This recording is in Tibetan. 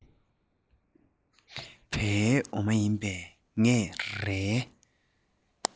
བའི འོ མ ཡིན པས ངས རའི